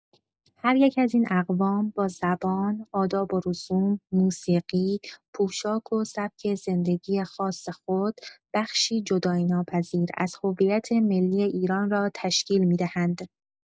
هر یک از این اقوام با زبان، آداب و رسوم، موسیقی، پوشاک و سبک زندگی خاص خود، بخشی جدایی‌ناپذیر از هویت ملی ایران را تشکیل می‌دهند.